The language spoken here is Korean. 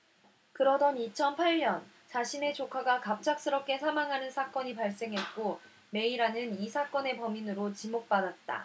그러던 이천 팔 년 자신의 조카가 갑작스럽게 사망하는 사건이 발생했고 메이라는 이 사건의 범인으로 지목받았다